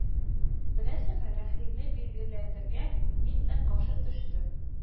Беләсеңме, Рәхимне билгеләтергә мин ник каршы төштем